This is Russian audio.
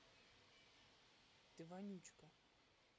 ты вонючка